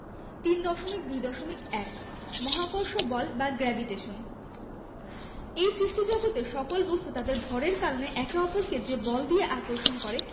৩.২.১ মহাকর্ষ বল বা গ্রেভিটেশন এই সৃষ্টিজগতের সকল বস্তু তাদের ভরের কারণে একে অপরকে যে বল দিয়ে আকর্ষণ করে